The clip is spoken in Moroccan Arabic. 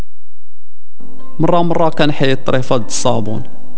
مرام راكان حي الطريف وقف صابون